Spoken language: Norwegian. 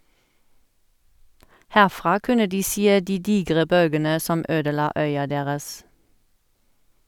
Herfra kunne de se de digre bølgene som ødela øya deres.